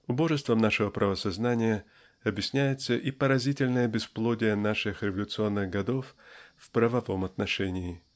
Убожеством нашего правосознания объясняется и поразительное бесплодие наших революционных годов в правовом отношении.